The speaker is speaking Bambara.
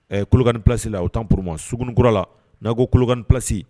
Ɛ kolokani plasi la o taa purma sgunikura la n'a ko kolokani plasi